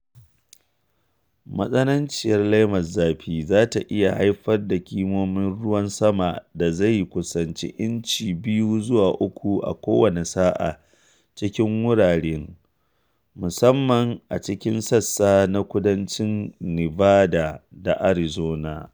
Matsananciyar laimar zafi za ta iya haifar da kimomin ruwan sama da zai kusanci incina 2 zuwa 3 a kowace sa’a a cikin wuraren, musamman a cikin sassa na kudancin Nevada da Arizona.